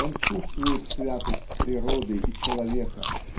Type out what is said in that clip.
он чувствует святость природы и человека